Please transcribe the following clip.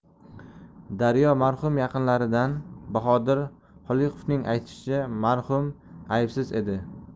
daryo marhum yaqinlaridan bahodir xoliqovning aytishicha marhum aybsiz edi